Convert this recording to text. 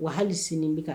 Wa hali sini bɛ ka